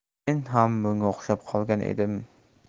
men ham bunga o'xshab qolgan edim